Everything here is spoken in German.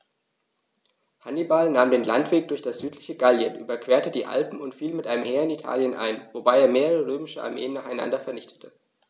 Hannibal nahm den Landweg durch das südliche Gallien, überquerte die Alpen und fiel mit einem Heer in Italien ein, wobei er mehrere römische Armeen nacheinander vernichtete.